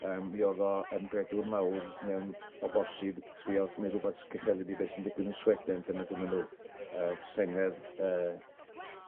Yym mi o'dd o yn gredwr mawr mewn o bosib trio gwneud rwbeth sy cyffelyb i be' sy'n digwydd yn Sweden, lle ma' gynnyn nw yy sengedd yy